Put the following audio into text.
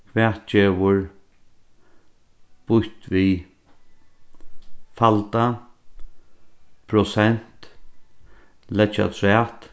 hvat gevur býtt við falda prosent leggja afturat